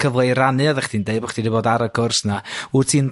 cyfle i rannu? Oddach chdi'n deu' bo' chdi 'di bod ar y gwrs 'na. Wt ti'n